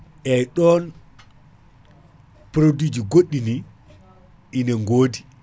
eyyi ɗon * produit ji godɗi ni ina goodi